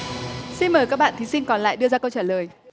xin mời các bạn thí sinh còn lại đưa ra câu trả lời